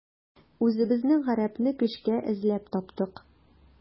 Үзебезнең гарәпне көчкә эзләп таптык.